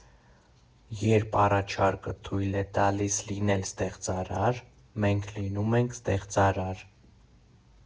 Երբ առաջարկը թույլ է տալիս լինել ստեղծարար, մենք լինում ենք ստեղծարար։